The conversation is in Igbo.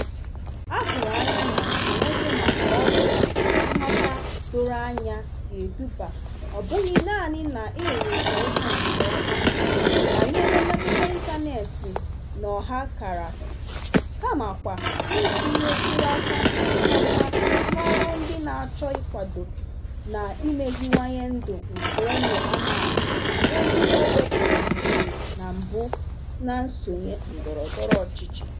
Atụrụ anya na nkànaụzụ maka ọrụ nghọta doro anya ga-eduba ọ bụghị naanị n'ịrụrịta ụka nke ọma banyere mmetụta ịntaneetị n'ọhakarasị, kamakwa n'itinyekwu aka na mmasị n'ọrụ ndị na-achọ ịkwado na imeziwanye ndụ nke ụmụ amaala bụ ndị a wepụburu na mbụ na nsonye ndọrọndọrọ ọchịchị.